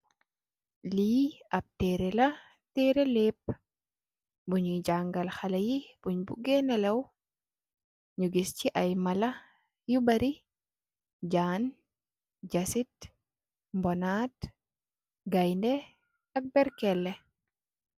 Li ap terreh la, terreh lep. Bujee jangal xalèh yi buj bugee nelew. Ñu gis ci ay mala yu bari, Jan, jasit, mbunat, gaideh ak barkeleh.